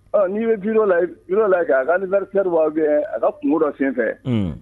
Ɔ n'i bɛ la kan a ka ni ki b'aw kɛ a ka kungo dɔ sen fɛ